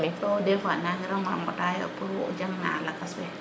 so wo dés fois nangiraŋo ŋota yo pour wo o jang na lakas we